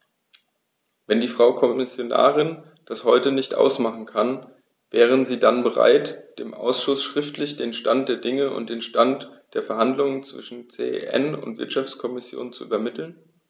Wenn die Frau Kommissarin das heute nicht machen kann, wäre sie dann bereit, dem Ausschuss schriftlich den Stand der Dinge und den Stand der Verhandlungen zwischen CEN und Wirtschaftskommission zu übermitteln?